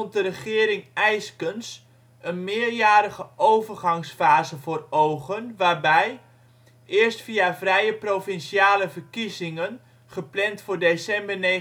de regering Eyskens een meer-jarige overgangsfase voor ogen, waarbij, eerst via vrije provinciale verkiezingen gepland voor december 1959